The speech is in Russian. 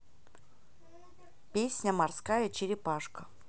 песня морская черепашка